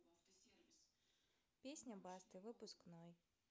песня басты выпускной